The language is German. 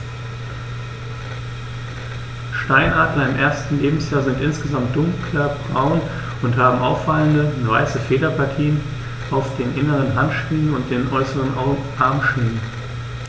Steinadler im ersten Lebensjahr sind insgesamt dunkler braun und haben auffallende, weiße Federpartien auf den inneren Handschwingen und den äußeren Armschwingen.